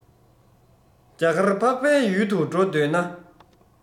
རྒྱ གར འཕགས པའི ཡུལ དུ འགྲོ འདོད ན